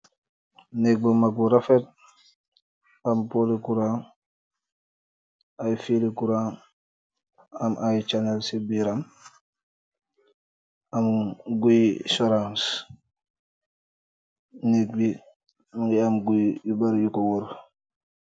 Nekk bu mag bu rafet, am poli kuran, ay fili kuran, am i channel ci biram, am guy sharouns. Nekk bi mungi am guy yu bar yu ko wor.